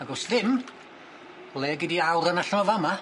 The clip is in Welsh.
Ag os ddim o leia gei di awran allan o fa' 'ma.